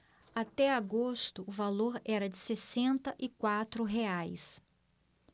até agosto o valor era de sessenta e quatro reais